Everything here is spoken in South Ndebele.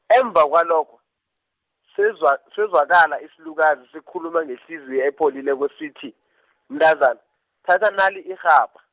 emva kwalokho, sezwa- sezwakala isilukazi sikhuluma ngehliziyo epholileko sithi, mntazana, thatha nali irhabha.